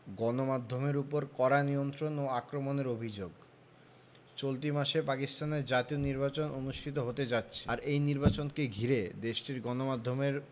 গণমাধ্যমের ওপর কড়া নিয়ন্ত্রণ ও আক্রমণের অভিযোগ চলতি মাসে পাকিস্তানে জাতীয় নির্বাচন অনুষ্ঠিত হতে যাচ্ছে আর এই নির্বাচনকে ঘিরে দেশটির গণমাধ্যমের